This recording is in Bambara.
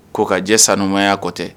Ko ka jɛ saya kɔ tɛ